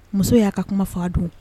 Muso y'a ka kuma fɔ o don